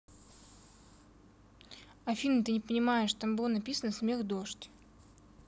афина ты не понимаешь там было написано смех дождь